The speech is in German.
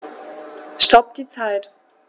Stopp die Zeit